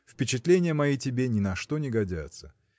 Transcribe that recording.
впечатления мои тебе ни на что не годятся.